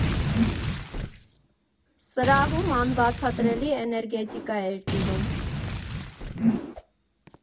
Սրահում անբացատրելի էներգետիկա էր տիրում։